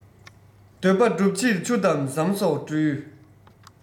འདོད པ སྒྲུབ ཕྱིར ཆུ དང ཟམ སོགས སྤྲུལ